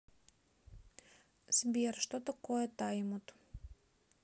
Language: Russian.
сбер что такое таймаут